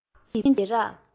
རྟགས ཅན གྱི སྦི རག